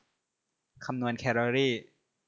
คำนวณแคลอรี่